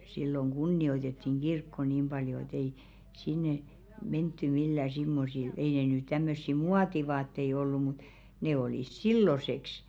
silloin kunnioitettiin kirkkoa niin paljon että ei sinne menty millään semmoisilla ei ne nyt tämmöisiä muotivaatteita ollut mutta ne oli silloiseksi